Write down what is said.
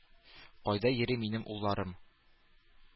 Кайда йөри минем улларым?